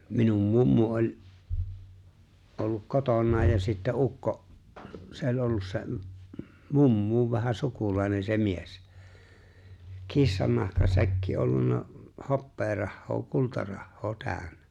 minun mummu oli ollut kotonaan ja sitten ukko se oli ollut se mummon vähän sukulainen se mies kissannahkasäkki ollut hopearahaa kultarahaa täynnä